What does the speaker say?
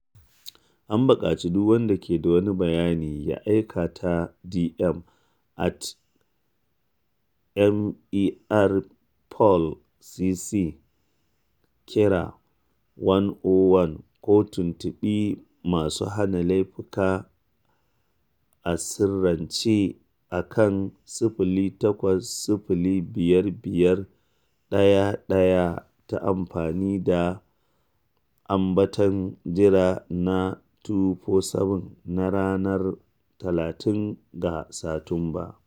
An buƙaci duk wanda ke da bayani da ya aika ta DM @MerPolCC, kira 101 ko tuntuɓi masu hana laifuka a sirrince a kan 0800 555 111 ta amfani da ambaton jeri na 247 na ranar 30 ga Satumba.